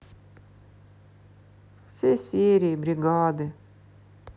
все серии бригады